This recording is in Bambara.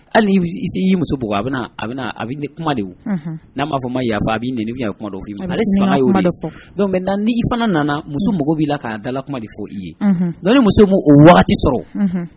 Hali y'i muso a bɛ ne kuma de n'a m'a fɔ ma ya a b'i nii ni fana nana muso mɔgɔw b'i la k'a dala kuma de fɔ i ye n ni muso b' o sɔrɔ